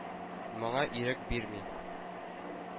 Моңа ирек бирми.